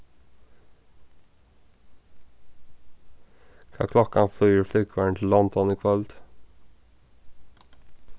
hvat klokkan flýgur flúgvarin til london í kvøld